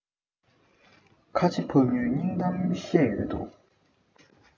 ཁ ཆེ ཕ ལུའི སྙིང གཏམ བཤད ཡོད དོ